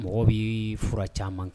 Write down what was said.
Mɔgɔ b'i fura caman kɛ